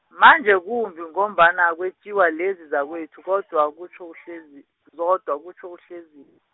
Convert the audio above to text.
manje kumbi ngombana kwetjiwa lezi zakwethu kodwa kutjho uHlezi-, zodwa kutjho uHlezin-.